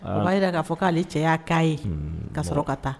'a jira k'a fɔ k'ale cɛya' ye ka sɔrɔ ka taa